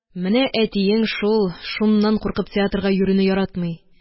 – менә әтиең, шул, шуннан куркып, театрга йөрүне яратмый,